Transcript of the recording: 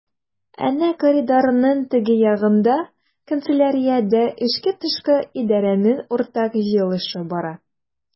Әнә коридорның теге ягында— канцеляриядә эчке-тышкы идарәнең уртак җыелышы бара.